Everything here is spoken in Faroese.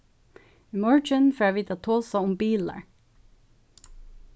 í morgin fara vit at tosa um bilar